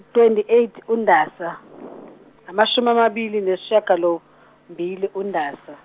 twenty eight uNdasa , amashum' amabili nesishiyagalombili, uNdasa.